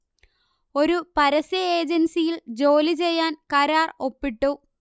ഒരു പരസ്യ ഏജൻസിയിൽ ജോലി ചെയ്യാൻ കരാർ ഒപ്പിട്ടു